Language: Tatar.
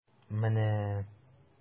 Менә...